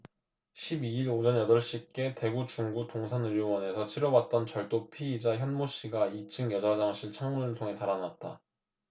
십 이 일 오전 여덟 시께 대구 중구 동산의료원에서 치료받던 절도 피의자 현모씨가 이 층 여자 화장실 창문을 통해 달아났다